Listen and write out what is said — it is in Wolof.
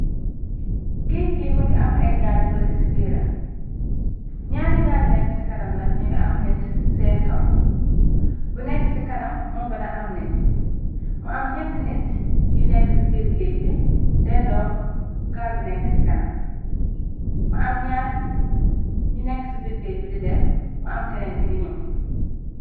Géej bi mënga am ay gaal yu bar ci biira, ñaari gaal yu nekk ci kanam nag, ñu nga am nit seen kaw , bu nekk ci kanam moo gana am nit, mu am gñett nit yu nekk ci biir géej bi dendook gaal bu n c kanm, mu am ñar ñu nekk ci biir géej bi di dem, mu am kenen ki di ñuo.